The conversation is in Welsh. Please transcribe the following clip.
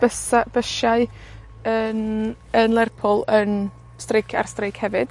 bysa' bysiau yn yn Lerpwl yn streicio ar streic hefyd.